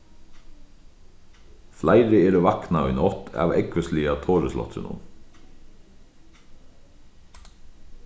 fleiri eru vaknað í nátt av ógvusliga torusláttrinum